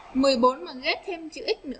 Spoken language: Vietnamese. mảnh ghép thêm chữ x